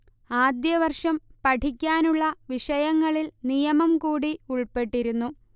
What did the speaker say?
ആദ്യവർഷം പഠിക്കാനുള്ള വിഷയങ്ങളിൽ നിയമം കൂടി ഉൾപ്പെട്ടിരുന്നു